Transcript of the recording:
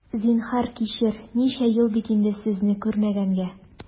Зинһар, кичер, ничә ел бит инде сезне күрмәгәнгә!